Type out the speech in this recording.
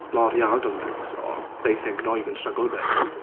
L'Oreal don't think so. They think "no you can struggle babes".